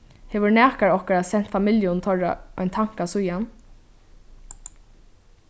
hevur nakar okkara sent familjum teirra ein tanka síðan